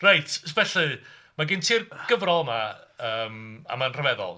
Reit felly mae gen ti'r gyfrol yma, yym a mae'n rhyfeddol.